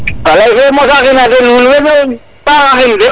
faley fe mosa xina de nuun way no paax axin de